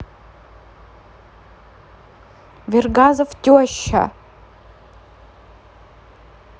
вергазов теща